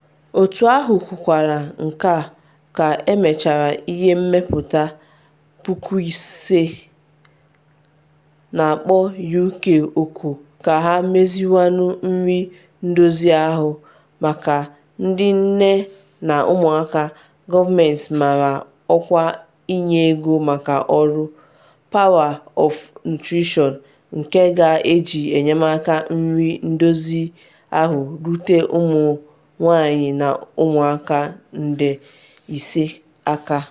Otu ahụ kwukwara nke a ka emechara ihe mmepụta 5,000, na-akpọ U.K oku ka ha meziwanye nri ndozi ahụ maka ndị nne na ụmụaka, gọọmentị mara ọkwa inye ego maka ọrụ, Power of Nutrition, nke ga-eji enyemaka nri ndozi ahụ rute ụmụ-nwanyị na ụmụaka nde 5 aka.